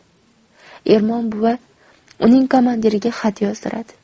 ermon buva uning komandiriga xat yozdiradi